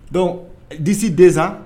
Donc d'ici deux ans